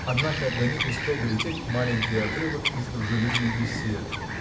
Однако до них успел долететь маленький отрывок из дружелюбной беседы.